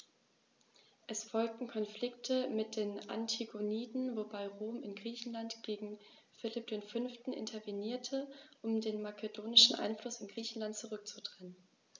Es folgten Konflikte mit den Antigoniden, wobei Rom in Griechenland gegen Philipp V. intervenierte, um den makedonischen Einfluss in Griechenland zurückzudrängen.